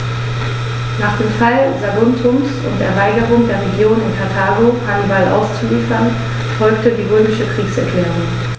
Nach dem Fall Saguntums und der Weigerung der Regierung in Karthago, Hannibal auszuliefern, folgte die römische Kriegserklärung.